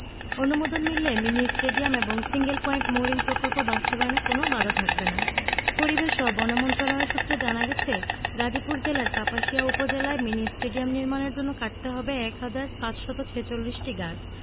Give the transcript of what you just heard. অনুমোদন মিললে mini stadium এবং সিঙ্গেল পয়েন্ট মোরিং প্রকল্প বাস্তবায়নে কোনো বাধা থাকবে না পরিবেশ ও বন মন্ত্রণালয় সূত্রে জানা গেছে গাজীপুর জেলার কাপাসিয়া উপজেলায় মিনি স্টেডিয়াম নির্মাণের জন্য কাটতে হবে এক হাজার ৫৪৬টি গাছ